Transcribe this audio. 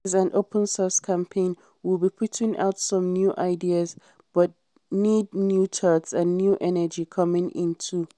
This is an open-source campaign – we'll be putting out some new ideas, but need new thoughts and new energy coming in too.